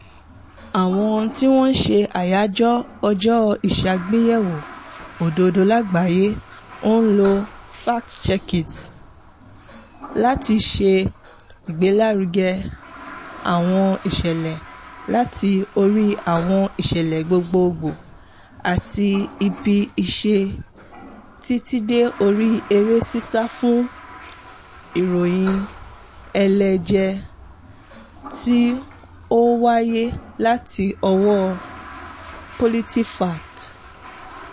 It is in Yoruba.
Àwọn tí wọ́n ń ṣe àyájọ́ Ọjọ́ Ìṣàyẹ̀wò Òdodo Lágbàáyé ń lo #FactCheckIt láti ṣe ìgbélárugẹ àwọn ìṣẹ̀lẹ̀ láti orí àwọn ìṣẹ̀lẹ̀ gbogbogbò àti ibi-iṣẹ́ títí dé orí eré sísá fún ìròyìn ẹlẹ́jẹ̀ tí ó wáyé láti ọwọ́ PolitiFact.